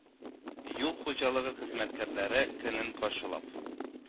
Юл хуҗалыгы хезмәткәрләре көнен каршылап